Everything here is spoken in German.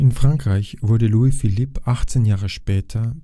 Frankreich wurde Louis Philippe 18 Jahre später